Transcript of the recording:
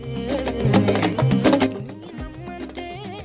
San yo